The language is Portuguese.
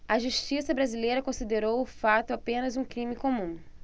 a justiça brasileira considerou o fato apenas um crime comum